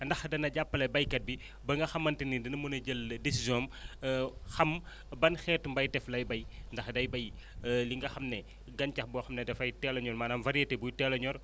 ndax dana jàppale béykat bi ba nga xamante ni dina mun a jël décision am xam ban xeetu mbayteef lay bay ndax day béy li nga xam ne gàncax boo xam ne dafay teel a ñor maanaam variété buy teel a ñor